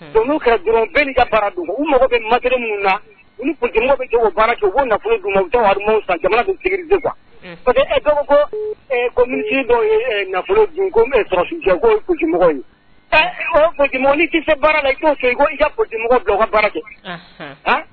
Don dɔrɔn ka bara mago bɛ ma kelen min na bɛ nafolo jamana sigilen nafolomɔgɔ ka bara kɛ